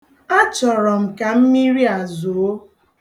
A chọrọ m ka mmiri a zoo.